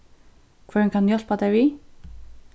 hvørjum kann eg hjálpa tær við